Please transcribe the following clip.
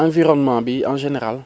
environnement bi en général